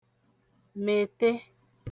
mète